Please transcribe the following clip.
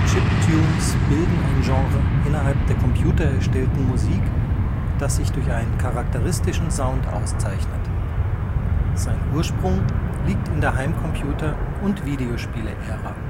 Chiptunes bilden ein Genre innerhalb der computererstellten Musik, das sich durch einen charakteristischen Sound auszeichnet. Sein Ursprung liegt in der Heimcomputer - und Videospiele-Ära